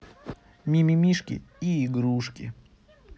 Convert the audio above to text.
мимимишки и игрушки